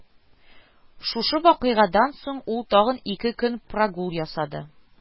Шушы вакыйгадан соң ул тагын ике көн прогул ясады